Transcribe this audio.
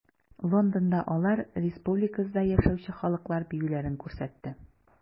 Лондонда алар республикабызда яшәүче халыклар биюләрен күрсәтте.